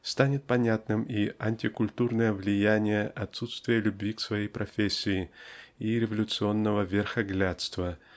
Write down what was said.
станет понятным и антикультурное влияние отсутствия любви к своей профессии и революционного верхоглядства